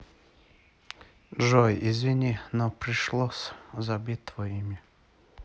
джой извини но пришлось забыть твое имя